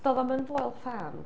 Doedd o'm yn Foel Farm de.